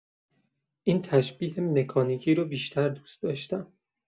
این تشبیه مکانیکی رو بیشتر دوست داشتم.